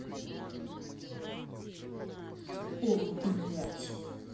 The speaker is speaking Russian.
all блядь